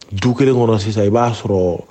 Du kelen kɔrɔ sisan i ba sɔrɔ